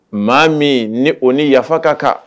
Maa min ni o ni yafa ka kan